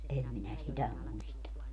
en minä sitä muista